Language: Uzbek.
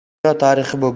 dunyo tarixi bu